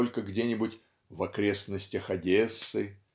только где-нибудь "в окрестностях Одессы"